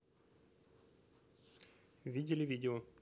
видели видео